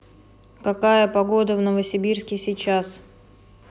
какая погода в новосибирске сейчас